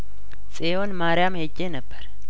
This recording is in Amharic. ጺዮን ማሪያም ሄጄ ነበር